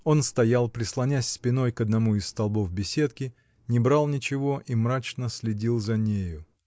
Он стоял, прислонясь спиной к одному из столбов беседки, не брал ничего и мрачно следил за нею.